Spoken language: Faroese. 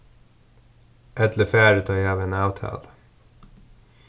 ella eg fari tá eg havi eina avtalu